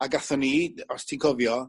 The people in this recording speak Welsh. a gathon ni os ti'n cofio